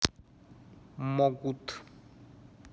могут